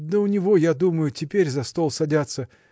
– Да у него, я думаю, теперь за стол садятся.